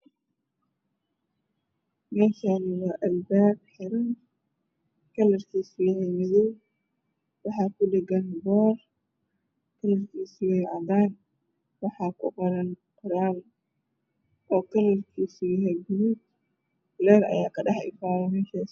Meeshaan waa albaab xiran kalarkiisu yahay Madow waxaa kudhagan boor kalarkiisu cadaan yahay waxaa kuqoran qoraal oo kalarkiisu yahay buluug leyrna waa ka ifaa.